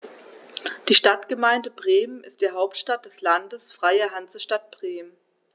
Die Stadtgemeinde Bremen ist die Hauptstadt des Landes Freie Hansestadt Bremen.